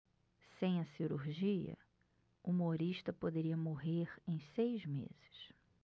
sem a cirurgia humorista poderia morrer em seis meses